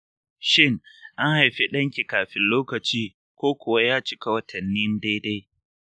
shin an haifi ɗanki kafin lokaci ko kuwa ya cika watanni daidai